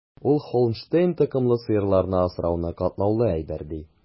Ул Һолштейн токымлы сыерларны асрауны катлаулы әйбер, ди.